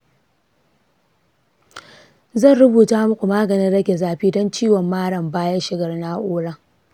zan rubuta muku maganin rage zafi don ciwon mara bayan shigar na’urar.